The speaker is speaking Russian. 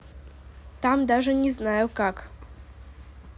там даже не знаю как